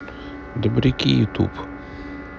добряки ютуб